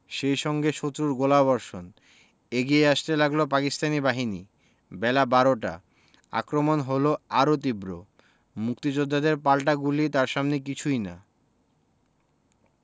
সেই সঙ্গে শত্রুর গোলাবর্ষণ এগিয়ে আসতে লাগল পাকিস্তানি বাহিনী বেলা বারোটা আক্রমণ হলো আরও তীব্র মুক্তিযোদ্ধাদের পাল্টা গুলি তার সামনে কিছুই না